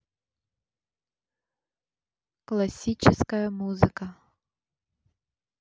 классическая музыка